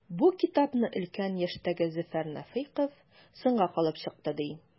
Бу китапны өлкән яшьтәге Зөфәр Нәфыйков “соңга калып” чыкты, ди.